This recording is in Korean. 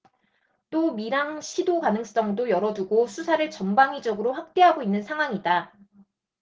또 밀항 시도 가능성도 열어두고 수사를 전방위적으로 확대하고 있는 상황이다